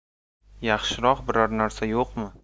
yaxshiroq biror narsa yoqmi